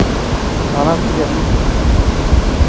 она в тебя влюбилась